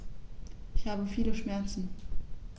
Ich habe viele Schmerzen.